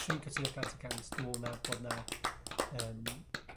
Swn i'n cytuno cant y cant. Dwi m'wl 'na bo' na' yrm